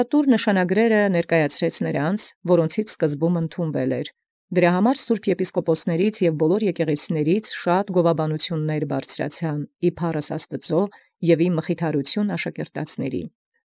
Որ յորոց նախընկալն եղև, առաջի արկեալ նոցա զնշանագիրս աստուածատուրս. վասն որոյ բազում իսկ գովութիւնք յեպիսկոպոսաց սրբոց և յամենայն եկեղեցեաց բարձրանային ի փառս Աստուծոյ, և ի մխիթարութիւն աշակերտելոցն ոչ սակաւք։